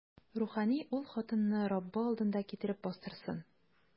Рухани ул хатынны Раббы алдына китереп бастырсын.